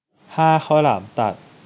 ห้าข้าวหลามตัด